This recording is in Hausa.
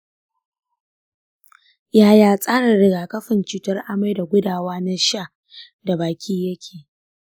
yaya tasirin rigakafin cutar amai da gudawa na sha da baki ya ke?